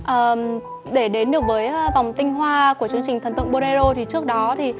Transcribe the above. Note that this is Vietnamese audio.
ờ để đến được với vòng tinh hoa của chương trình thần tượng bô lê rô thì trước đó thì